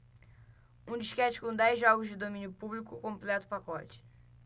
um disquete com dez jogos de domínio público completa o pacote